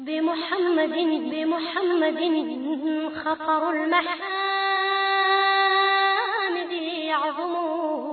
Denmusoninmusoninla yo